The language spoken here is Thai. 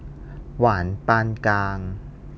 หวานปานกลาง